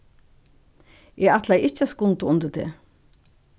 eg ætlaði ikki at skunda undir teg